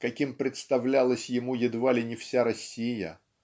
каким представлялась ему едва ли не вся Россия.